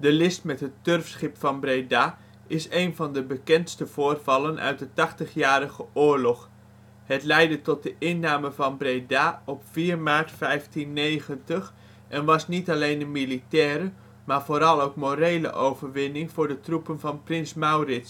list met het Turfschip van Breda is één van de bekendste voorvallen uit de Tachtigjarige Oorlog. Het leidde tot de inname van Breda op 4 maart 1590 en was niet alleen een militaire, maar vooral ook morele overwinning voor de troepen van prins Maurits. In 1568